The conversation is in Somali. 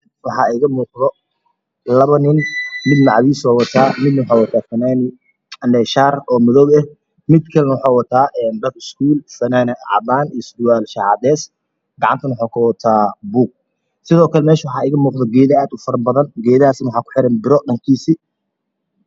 Waxaa iiga muuqdo labo nin mid macawiisu wataa midna waxa uu wataa shaar oo madoow eh midkale waxa uu wataa dhar iskuul fanaana cadaan iyo surwal cades gacantana waxa uu ku wataa buug sidookale meesha waxaa iiga muuqdo geedo aad ufara badan geedahaasna waxaa ku xiran biro dhankise